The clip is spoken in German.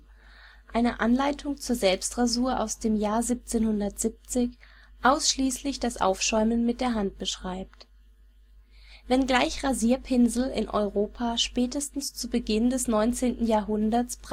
einer Anleitung zum Selbstrasur aus dem Jahr 1770, ausschließlich das Aufschäumen mit der Hand beschreibt. Wenngleich Rasierpinsel in Europa spätestens zu Beginn des 19. Jahrhunderts